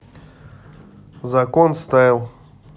закон стайл